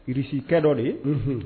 Kirisikɛ dɔ de ye